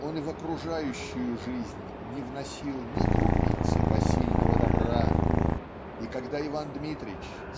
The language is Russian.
он и в окружающую жизнь не вносил ни крупицы посильного добра и когда Иван Дмитрич